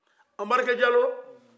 anbarike jalo